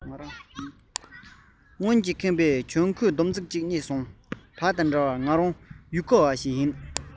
རྡུལ གྱིས ཁེངས པའི གྱོན གོས སྡོམ ཚིག ཅིག རྙེད སོང བ དང འདྲ བ ང རང ཡུལ སྐོར བ ཞིག ཡིན